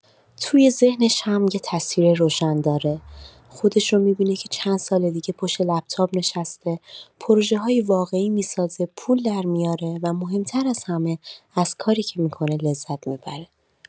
توی ذهنش هم یه تصویر روشن داره: خودش رو می‌بینه که چند سال دیگه پشت لپ‌تاپ نشسته، پروژه‌های واقعی می‌سازه، پول درمی‌اره، و مهم‌تر از همه، از کاری که می‌کنه لذت می‌بره.